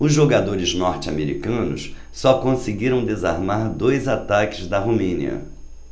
os jogadores norte-americanos só conseguiram desarmar dois ataques da romênia